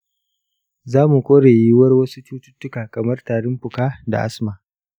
za mu kore yiwuwar wasu cututtuka kamar tarin fuka da asma.